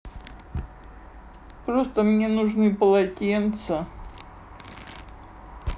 просто мне нужны полотенца